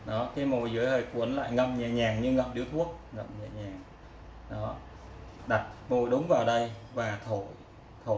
ngậm nhẹ nhàng như ngậm điếu thuốc môi dưới cuốn lại tựa vào hàm dưới đặt môi đúng vào đây